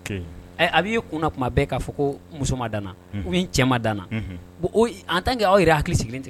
A'i kun ko muso ma dan cɛ ma danana an aw yɛrɛ hakili sigilen